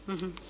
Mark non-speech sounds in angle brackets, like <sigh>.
<hesitation> <hesitation>